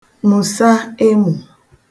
mùsa emù